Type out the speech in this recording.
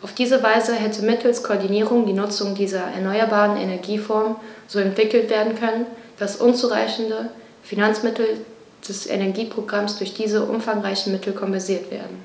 Auf diese Weise hätte mittels Koordinierung die Nutzung dieser erneuerbaren Energieformen so entwickelt werden können, dass unzureichende Finanzmittel des Energieprogramms durch diese umfangreicheren Mittel kompensiert werden.